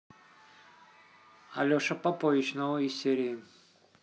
алеша попович новые серии